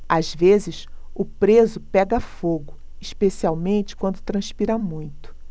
às vezes o preso pega fogo especialmente quando transpira muito